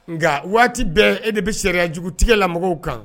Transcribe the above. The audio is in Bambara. Ngaa waati bɛɛ e de be charia jugu tigɛ la mɔgɔw kan